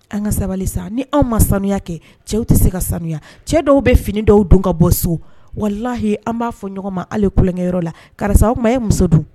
An ka sabali sa ni anw ma sanuya kɛ cɛw tɛ se ka sanuya cɛ dɔw bɛ fini dɔw dun ka bɔ so walahi an b'a fɔ ɲɔgɔn ma ale tulonkɛyɔrɔ la karisa o tuma ye muso dun